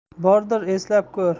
bordir eslab ko'r